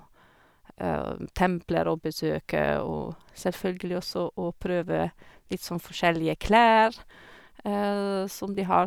Templer å besøke og selvfølgelig også å prøve litt sånn forskjellige klær som de har.